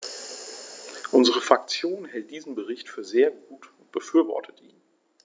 Unsere Fraktion hält diesen Bericht für sehr gut und befürwortet ihn.